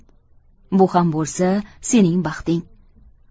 bu ham bo'lsa sening baxting